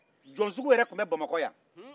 jɔnsugu yɛrɛ tun bɛ bamakɔ yan